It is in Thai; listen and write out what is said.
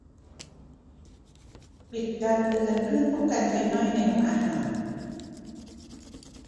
ปิดการเตือนเครื่องป้องกันไฟไหม้ในห้องอาหาร